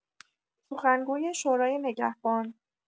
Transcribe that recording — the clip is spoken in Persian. سخنگوی شورای نگهبان